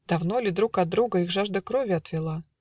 Давно ли друг от друга Их жажда крови отвела?